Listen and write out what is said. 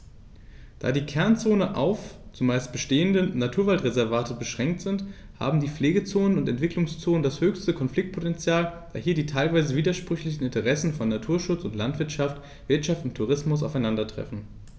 Da die Kernzonen auf – zumeist bestehende – Naturwaldreservate beschränkt sind, haben die Pflegezonen und Entwicklungszonen das höchste Konfliktpotential, da hier die teilweise widersprüchlichen Interessen von Naturschutz und Landwirtschaft, Wirtschaft und Tourismus aufeinandertreffen.